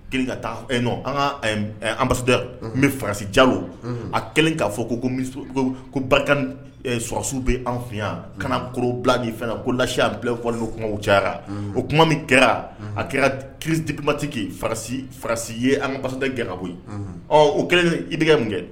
Ki ka taa an ka an bɛ farasi ja a kɛlen'a fɔ ko ko barika swasiw bɛ an fiɲɛya ka na koro bila ni fɛn kolasiya bilafɔli kuma cayayara o kuma min kɛra a kɛra kiiritigibatike farasi farasi ye an kafada gabɔ ye ɔ o kɛlen i tɛgɛ mun kɛ